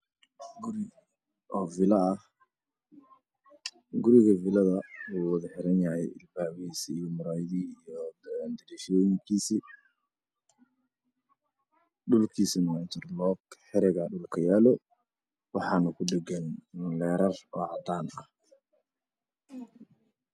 Waxaa i muuqday guri cusub oo mardhow la dhisay waxaa ka baxaya geedo ubaxaya ah waxa uu kalarkiisuna yahay creem